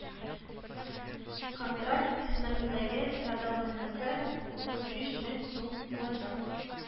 Контракт хезмәтендәге рядовойныкы утыз биш мең сум булачак